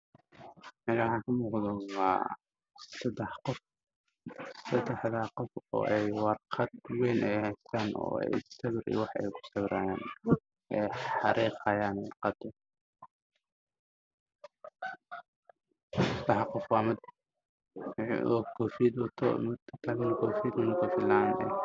Waxaa i muqda saddex nin waxa ay gacanta ku hayaan warqad caddaan ah waana sawir xasuus ah